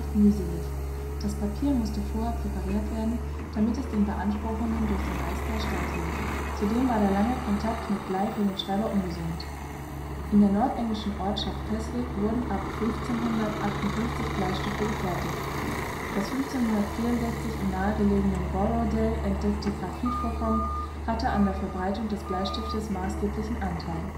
mühselig. Das Papier musste vorher präpariert werden, damit es den Beanspruchungen durch den Reißbley standhielt, zudem war der lange Kontakt mit Blei für den Schreiber ungesund. In der nordenglischen Ortschaft Keswick wurden ab 1558 Bleistifte gefertigt. Das 1564 im nahe gelegenen Borrowdale entdeckte Graphitvorkommen hatte an der Verbreitung des Bleistiftes maßgeblichen Anteil